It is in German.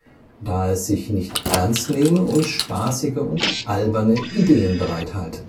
da es sich nicht ernst nehme und spaßige und alberne Ideen bereithalte